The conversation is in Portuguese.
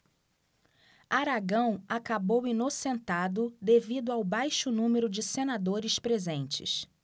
aragão acabou inocentado devido ao baixo número de senadores presentes